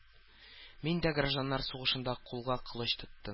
Мин дә гражданнар сугышында кулга кылыч тоттым